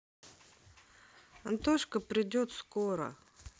антошка придет скоро